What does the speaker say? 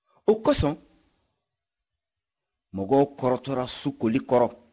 o kosɔn mɔgɔ kɔrɔtɔra su koli kɔrɔ